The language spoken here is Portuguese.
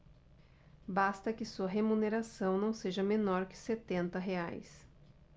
basta que sua remuneração não seja menor que setenta reais